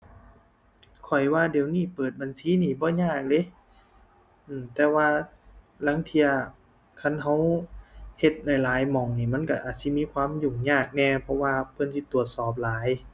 ข้อยว่าเดี๋ยวนี้เปิดบัญชีนี่บ่ยากเดะ อือ แต่ว่าลางเที่ยคันเราเฮ็ดหลายหลายหม้องนี่มันเราอาจสิมีความยุ่งยากแหน่ เพราะว่าเพิ่นสิตรวจสอบหลาย